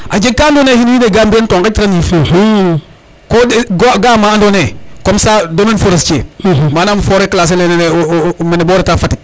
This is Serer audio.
a jeg ka ando naye it wiin we ga mbiyan to ŋaƴ tiran yiif ko ga ama ando naye comme ca domaine forestier manam foret classer lene mene bo reta Fatick